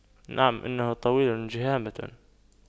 نعم انه طويل جهامة